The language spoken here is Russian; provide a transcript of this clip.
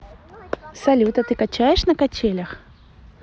салют а ты качаешь на качелях